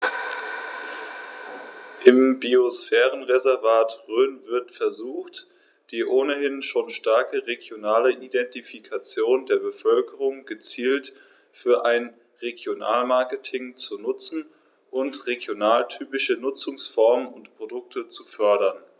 Im Biosphärenreservat Rhön wird versucht, die ohnehin schon starke regionale Identifikation der Bevölkerung gezielt für ein Regionalmarketing zu nutzen und regionaltypische Nutzungsformen und Produkte zu fördern.